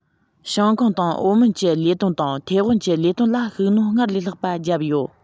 ཞང ཀང དང ཨའོ མོན གྱི ལས དོན དང ཐའེ ཝན གྱི ལས དོན ལ ཤུགས སྣོན སྔར ལས ལྷག པ བརྒྱབ ཡོད